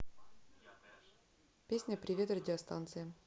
песня привет радиостанциям